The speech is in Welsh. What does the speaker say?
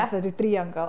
Fatha ryw driongl.